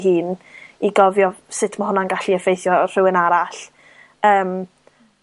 hun, i gofio sut ma' hwnna'n gallu effeithio rhywun arall, yym.